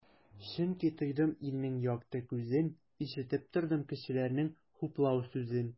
Чөнки тойдым илнең якты күзен, ишетеп тордым кешеләрнең хуплау сүзен.